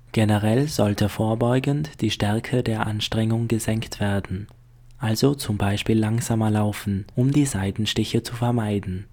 Generell sollte vorbeugend die Stärke der Anstrengung gesenkt werden, also z. B. langsamer laufen, um die Seitenstiche zu vermeiden